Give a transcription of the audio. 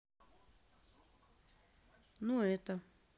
ну это